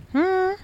A